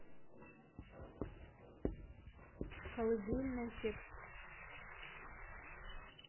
колыбельная текст